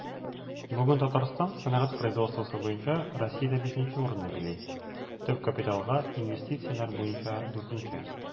Бүген Татарстан сәнәгать производствосы буенча Россиядә 5 нче урынны били, төп капиталга инвестицияләр буенча 4 нче.